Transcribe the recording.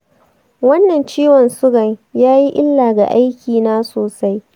wannan ciwon sugan yayi illa ga aikina sosai.